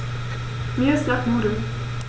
Mir ist nach Nudeln.